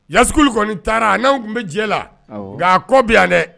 Yas kɔni taara a nanw tun bɛ jɛ la nka a kɔ bi yan dɛ